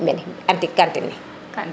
mene kantin ne